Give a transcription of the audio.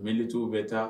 Militigiww bɛ taa